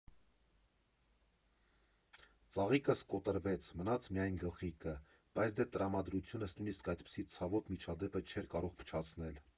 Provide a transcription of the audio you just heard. Ծաղիկս կոտրվեց, մնաց միայն գլխիկը, բայց դե տրամադրությունս նույնսիսկ այդպիսի ցավոտ միջադեպը չէր կարող փչացնել։